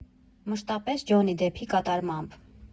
Մշտապես Ջոնի Դեփի կատարմամբ։